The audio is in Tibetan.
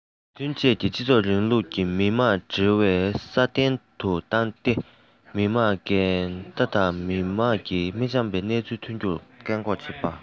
ཞི མཐུན བཅས ཀྱི སྤྱི ཚོགས རིང ལུགས ཀྱི མི རིགས འབྲེལ བ སྲ བརྟན དུ བཏང སྟེ མི རིགས འགལ ཟླ དང མི རིགས མི འཆམ པའི སྣང ཚུལ ཐོན རྒྱུ གཏན འགོག བྱེད དགོས